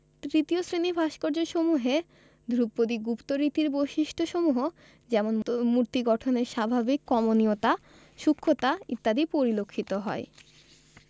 তৃতীয় শ্রেণির ভাস্কর্যসমূহে ধ্রুপদী গুপ্ত রীতির বৈশিষ্ট্যসমূহ যেমন মূর্তি গঠনের স্বাভাবিক কমনীয়তা সূক্ষতা ইত্যাদি পরিলক্ষিত হয়